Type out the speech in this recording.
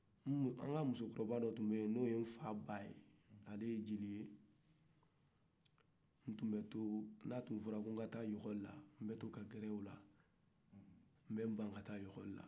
anga musokɔrɔba dɔ tun be yen n'o ye nfa ba ye ale ye jeli n'a tun fɔɔra ko nka ta lekoli la nbɛ to ka gɛrɛ o la nbe nban ka taa lekɔli la